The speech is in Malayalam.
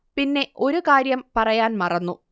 പിന്നെ ഒരു കാര്യം പറയാൻ മറന്നു